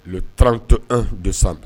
Uran to an don san